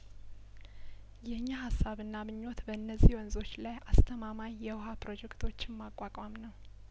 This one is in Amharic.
የኛ ሀሳብና ምኞት በእነዚህ ወንዞች ላይ አስተማማኝ የውሀ ፕሮጀክቶችን ማቋቋም ነው